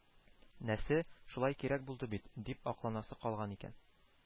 Нәсе, шулай кирәк булды бит, дип акланасы калган икән